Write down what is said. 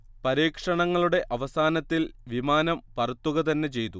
പരീക്ഷണങ്ങളുടെ അവസാനത്തിൽ വിമാനം പറത്തുകതന്നെ ചെയ്തു